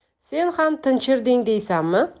sen ham tinchirding deysanmi